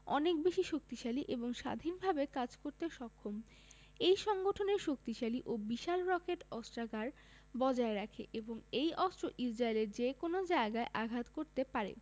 অনেক বেশি শক্তিশালী এবং স্বাধীনভাবে কাজ করতে সক্ষম এই সংগঠনের শক্তিশালী ও বিশাল রকেট অস্ত্রাগার বজায় রাখে এবং এই অস্ত্র ইসরায়েলের যেকোনো জায়গায় আঘাত করতে পারে